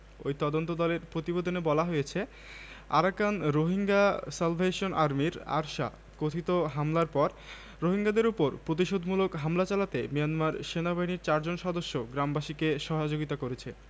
ওই তদন্তদলের প্রতিবেদনে বলা হয়েছে আরাকান রোহিঙ্গা স্যালভেশন আর্মির আরসা কথিত হামলার পর রোহিঙ্গাদের ওপর প্রতিশোধমূলক হামলা চালাতে মিয়ানমার সেনাবাহিনীর চারজন সদস্য গ্রামবাসীকে সহযোগিতা করেছে